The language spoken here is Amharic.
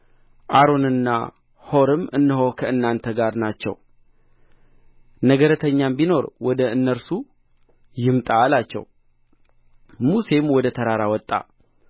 አሮንና ሖርም እነሆ ከእናንተ ጋር ናቸው ነገረተኛም ቢኖር ወደ እነርሱ ይምጣ አላቸው ሙሴም ወደ ተራራ ወጣ